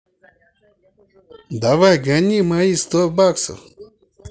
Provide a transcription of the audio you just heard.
давай гони мои сто баксов